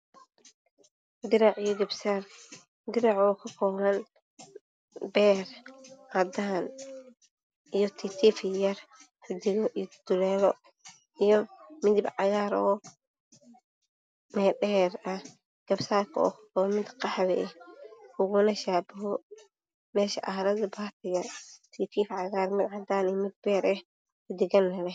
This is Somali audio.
Dirac iyo garba saar diraca diraca waa beer cadaan iyo titif yar iyo dudulelo iyo midib cagaroo garba sarkoo qaxwi eh oo shabaho